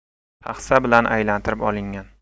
paxsa bilan aylantirib olingan